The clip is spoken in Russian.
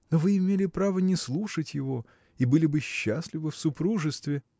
– но вы имели право не слушать его. и были бы счастливы в супружестве.